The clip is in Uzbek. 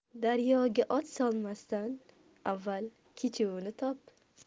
daryoga ot solmasdan avval kechuvini top